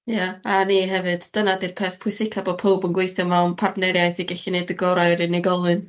Ia a ni hefyd dyna 'di'r peth pwysica bod powb yn gweithio mewn partneriaeth i gellu neud y gorau i'r unigolyn.